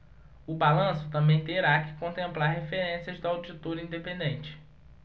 o balanço também terá que contemplar referências do auditor independente